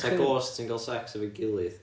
ta ghosts sy'n cael sex efo'i gilydd.